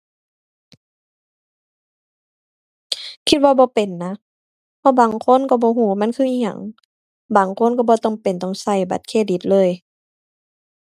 คิดว่าบ่เป็นนะ เพราะบางคนก็บ่ก็ว่ามันคืออิหยัง บางคนก็บ่จำเป็นต้องก็บัตรเครดิตเลย